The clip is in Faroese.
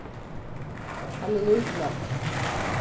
hann er lítillátin